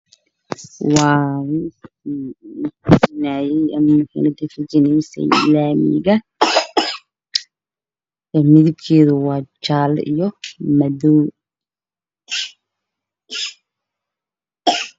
Waxaa maraya gaari ga dhexdiisa na waa jaallo ow